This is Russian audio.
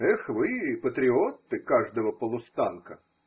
Эх, вы, патриоты каждого полустанка.